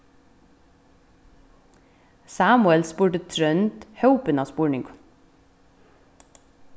samuel spurdi trónd hópin av spurningum